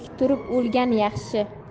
tik turib o'lgan yaxshi